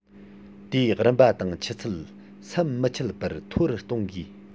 དེའི རིམ པ དང ཆུ ཚད ཟམ མི ཆད པར མཐོ རུ གཏོང དགོས